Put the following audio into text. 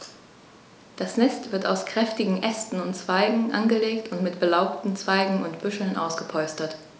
Das Nest wird aus kräftigen Ästen und Zweigen angelegt und mit belaubten Zweigen und Büscheln ausgepolstert.